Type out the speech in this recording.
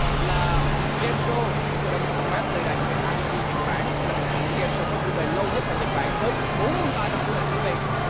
là một gêm sô mà chúng tôi đã mua pho mát từ đài truyền hình a xa hi nhật bản là một trong những gêm sô có tuổi đời lâu nhất tại nhật bản với bốn mươi ba năm tuổi đời thưa quý vị